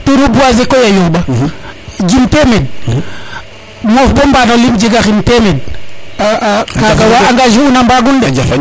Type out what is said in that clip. to reboiser koy a yoɓa jem temed moof bo ɓato lim jega xin temen kaga wa engager na mbagun de